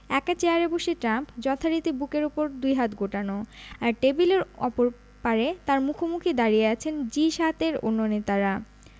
একা চেয়ারে বসে ট্রাম্প যথারীতি বুকের ওপর দুই হাত গোটানো আর টেবিলের অপর পারে তাঁর মুখোমুখি দাঁড়িয়ে আছেন জি ৭ এর অন্য নেতারা